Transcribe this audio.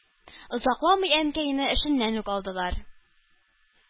Озакламый Әнкәйне эшеннән үк алдылар.